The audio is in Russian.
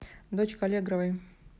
дочка аллегровой